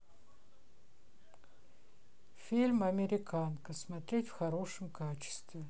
фильм американка смотреть в хорошем качестве